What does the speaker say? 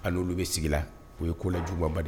Ani' olu bɛ sigi la o ye ko la juguba